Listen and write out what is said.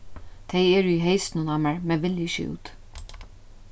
tey eru í heysunum á mær men vilja ikki út